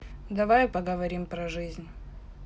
давай поговорим про жизнь